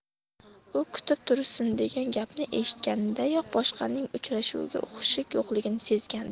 u kutib tursin degan gapni eshitganidayoq boshqonning uchrashuvga hushi yo'qligini sezgandi